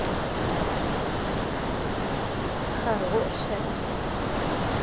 хорошая